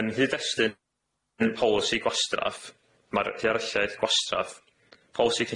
Yn nhyd-destun 'yn polisi gwastraff ma'r hiarchaeth gwastraff polisi